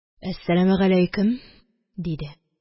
Әссәламегаләйкем! – диде